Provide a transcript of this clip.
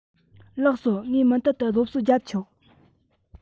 ལགས སོ ངས མུ མཐུད དུ སློབ གསོ རྒྱབ ཆོག